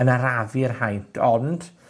yn arafu'r haint, ond,